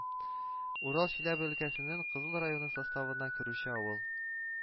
Урал Чиләбе өлкәсенең Кызыл районы составына керүче авыл